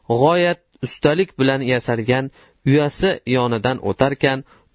g'oyat ustalik bilan yasagan uyasi yonidan o'tarkan